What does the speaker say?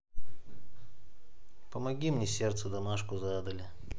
помоги мне сердце домашку задали